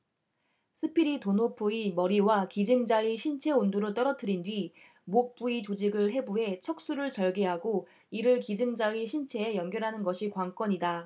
스피리도노프의 머리와 기증자의 신체 온도를 떨어뜨린뒤 목 부위 조직을 해부해 척수를 절개하고 이를 기증자의 신체에 연결하는 것이 관건이다